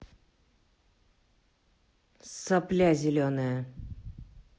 сопля зеленая